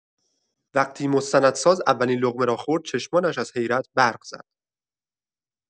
وقتی مستندساز اولین لقمه را خورد، چشمانش از حیرت برق زد.